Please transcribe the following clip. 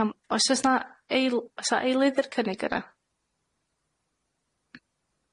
Iawn oes o's na eil- sa eilydd i'r cynnig yna?